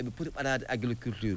eɓe poti ɓadaade agriculture